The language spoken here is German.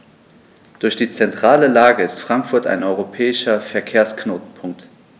Durch die zentrale Lage ist Frankfurt ein europäischer Verkehrsknotenpunkt.